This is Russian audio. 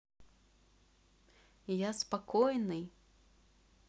я спокойный